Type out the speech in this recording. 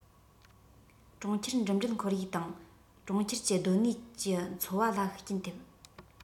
གྲོང ཁྱེར འགྲིམ འགྲུལ ཁོར ཡུག དང གྲོང ཁྱེར གྱི སྡོད གནས ཀྱི འཚོ བ ལ ཤུགས རྐྱེན ཐེབས